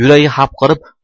yuragi hapriqib